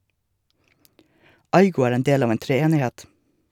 Aygo er en del av en treenighet.